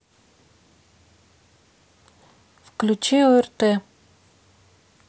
включи орт